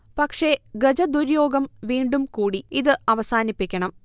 പക്ഷേ ഗജദുരോഗ്യം വീണ്ടും കൂടി. ഇത് അവസാനിപ്പിക്കണം